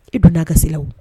E donna'a ka se